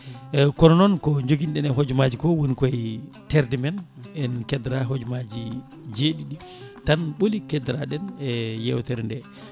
kono noon ko joguinoɗen e hoojomaji ko woni koye terde men en keddora hoojomaji jeeɗiɗi tan ɓooli keddoraɗen e yewtere nde